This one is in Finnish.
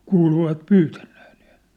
kuuluvat pyytäneen niillä